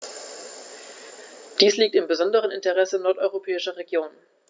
Dies liegt im besonderen Interesse nordeuropäischer Regionen.